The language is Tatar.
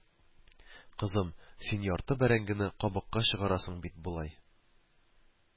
Кызым, син ярты бәрәңгене кабыкка чыгарасын бит болай